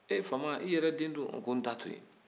e fama i yɛrɛ den don a ko n t'a to yen